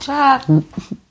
Tara. M- m-hm.